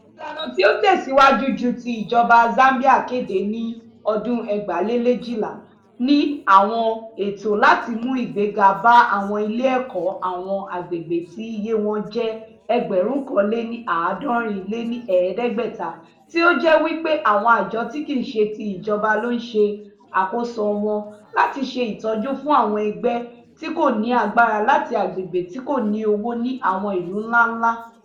Ìlànà tí ó tẹ̀síwájú jù tí ìjọba Zambia kéde ní ọdún 2012 ni àwọn ètò láti mú ìgbéga bá àwọn ilé ẹ̀kọ́ àwọn àgbègbè tí iye wọn jẹ́ ẹgbẹ̀rún kan lé ní àádọ́rin lé ní ẹ̀ẹ́dẹ́gbẹ̀ta tí ó jẹ́ wí pé àwọn àjọ tí kìí ṣe ti ìjọba ló ń ṣe àkóso wọn láti ṣe ìtọ́jú fún àwọn ẹgbẹ́ tí kò ní agbára láti àgbègbè tí kò ní owó ní àwọn ìlú ńlá ńlá.